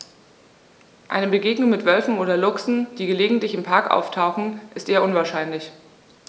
Eine Begegnung mit Wölfen oder Luchsen, die gelegentlich im Park auftauchen, ist eher unwahrscheinlich.